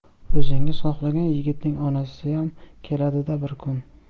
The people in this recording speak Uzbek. o'zingiz xohlagan yigitning onasiyam keladi da bir kun